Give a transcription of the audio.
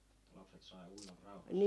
lapset sai uida rauhassa